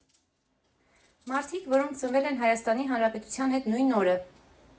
Մարդիկ, որոնք ծնվել են Հայաստանի Հանրապետության հետ նույն օրը։